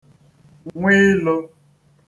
nwe ilo